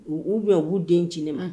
U uu bɛ u'u den ci ma